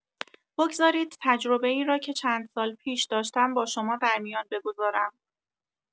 بگذارید تجربه‌ای را که چند سال پیش داشتم با شما در میان بگذارم.